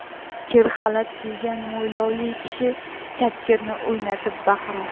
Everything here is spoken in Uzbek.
kir xalat kiygan mo'ylovli kishi kapgirni o'ynatib baqiradi